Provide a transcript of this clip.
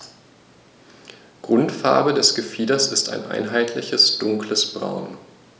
Grundfarbe des Gefieders ist ein einheitliches dunkles Braun.